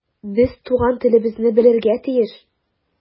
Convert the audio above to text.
Без туган телебезне белергә тиеш.